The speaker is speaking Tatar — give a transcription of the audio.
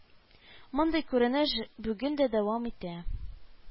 Мондый күренеш бүген дә дәвам итә